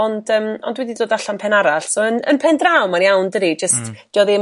ond yym ond dwi 'di dod allan pen arall so yn pen draw ma'n iawn dydi jyst dio ddim